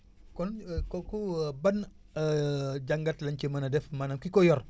kon kooku ban jàngat lañ ci mën a def maanaam ki ko yor